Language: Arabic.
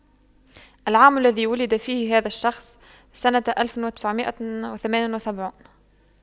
العام الذي ولد فيه هذا الشخص سنة ألف وتسعمئة وثمان وسبعون